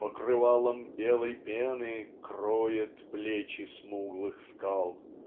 покрывалом белой пены кроет плечи смуглых скал"